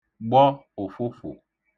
gbọ ụ̀fụfụ̀